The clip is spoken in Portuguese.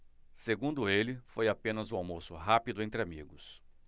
segundo ele foi apenas um almoço rápido entre amigos